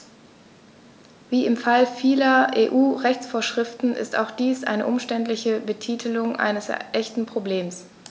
Wie im Fall vieler EU-Rechtsvorschriften ist auch dies eine umständliche Betitelung eines echten Problems.